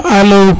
alo